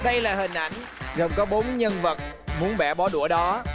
đây là hình ảnh gồm có bốn nhân vật muốn bẻ bó đũa đó